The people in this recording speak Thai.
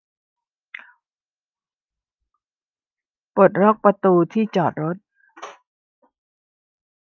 ปลดล็อกประตูที่จอดรถ